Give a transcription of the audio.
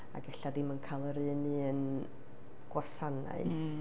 Ac ella ddim yn cael yr un un gwasanaeth.